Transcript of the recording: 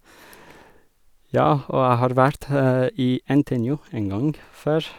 Ja, og jeg har vært i NTNU en gang før.